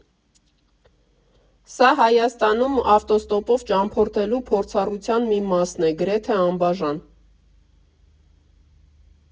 Սա Հայաստանում ավտոստոպով ճամփորդելու փորձառության մի մասն է, գրեթե անբաժան։